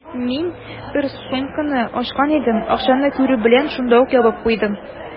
Мин бер сумканы ачкан идем, акчаны күрү белән, шунда ук ябып куйдым.